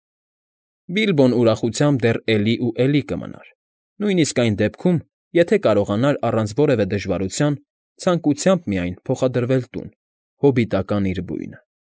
Բիլբոն ուրախությամբ դեռ էլի ու էլի կմնար, նույնիսկ այն դեպքում, եթե կարողանար առանց որևէ դժվարության, ցանկությամբ միայն փոխադրվել տուն՝ հոբիտական իր բույնը։